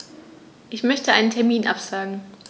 Ich möchte einen Termin absagen.